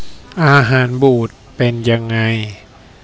อาหารบูดเป็นยังไง